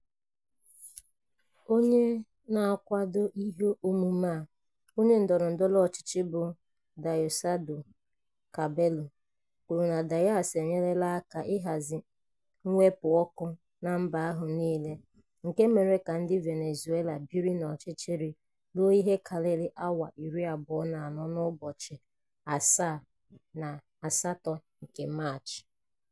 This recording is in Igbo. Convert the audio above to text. Onye na-akwado ihe omume a, onye ndọrọ ndọrọ ọchịchị bụ Diosdado Cabello, kwuru na Diaz enyerela aka ịhazi mwepu ọkụ na mba ahụ niile nke mere ka ndị Venezuela biri n'ọchịchịrị ruo ihe karịrị awa 24 n'ụbọchị 7 na 8 nke Maachị.